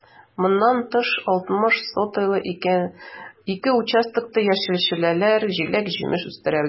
Моннан тыш, 60 сотыйлы ике участокта яшелчәләр, җиләк-җимеш үстерәбез.